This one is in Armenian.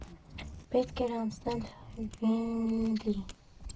Պետք էր անցնել վինիլի։